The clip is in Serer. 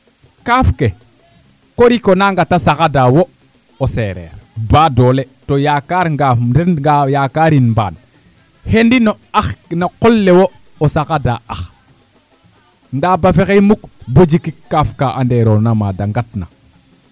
kaaf ke kiriko naangata saxada wo' o seereer baadoola to yakaar ngaaf ren yakaarin mbaan xendi no ax no qol le wo' o saxada ax ndaa boo fexey muk boo jikik kaaf ka andeerona maa da nqatna